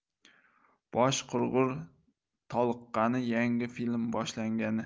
bosh qurg'ur toliqqani yangi film boshlangani